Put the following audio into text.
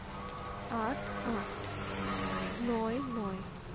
৮ - আট ৯ - নয়